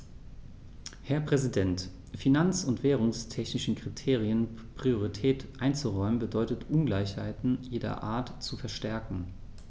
Herr Präsident, finanz- und währungstechnischen Kriterien Priorität einzuräumen, bedeutet Ungleichheiten jeder Art zu verstärken.